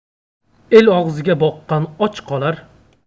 el og'ziga boqqan och qolar